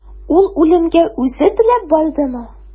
Ул үлемгә үзе теләп бардымы?